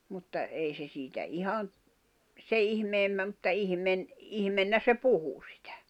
mutta ei se siitä ihan sen ihmeemmin mutta - ihmeenä se puhui sitä